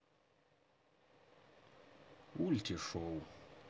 ульти шоу